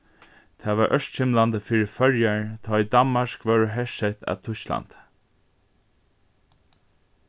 tað var ørkymlandi fyri føroyar tá ið danmark vórðu hersett av týsklandi